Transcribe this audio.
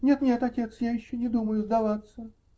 -- Нет, нет, отец, я еще не думаю сдаваться.